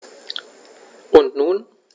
Und nun?